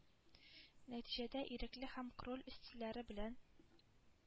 Нәтиҗәдә, ирекле һәм кроль стильләре белән